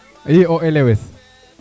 i o elewes